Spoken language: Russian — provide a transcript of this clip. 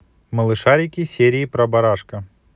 малышарики серии про барашка